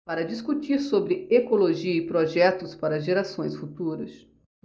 para discutir sobre ecologia e projetos para gerações futuras